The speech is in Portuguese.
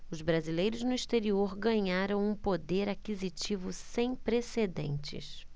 os brasileiros no exterior ganharam um poder aquisitivo sem precedentes